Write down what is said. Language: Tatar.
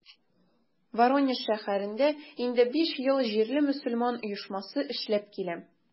Воронеж шәһәрендә инде биш ел җирле мөселман оешмасы эшләп килә.